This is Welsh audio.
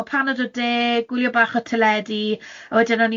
cael paned o de, gwylio bach o teledu, a wedyn o'n